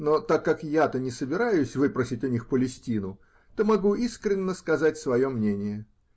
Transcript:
Но так как я-то не собираюсь выпросить у них Палестину, то могу искренно сказать свое мнение.